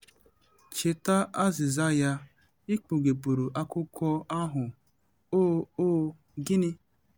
Cheta azịza ya... i kpughepuru akwụkwọ ahụ - “oh, oh, gịnị?